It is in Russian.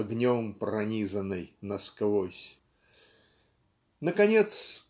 Огнем пронизанной насквозь! Наконец